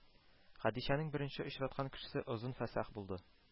Хәдичәнең беренче очраткан кешесе Озын Фәсах булды